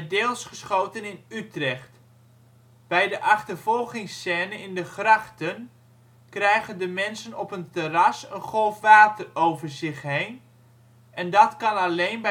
deels geschoten in Utrecht. Bij de achtervolgingsscène in de grachten krijgen de mensen op een terras een golf water over zich heen, en dat kan alleen